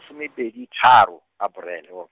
some pedi tharo, Aprel- .